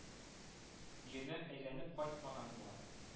Өенә өйләнеп кайтмаган була